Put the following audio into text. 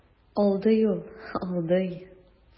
Алдый ул, алдый.